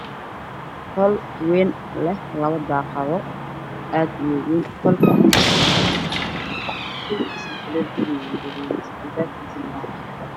Qol wayn leh labo daaqado aad uweyn qolka midabkiisuna waa gaduud mutuleelkiisana waa gaduud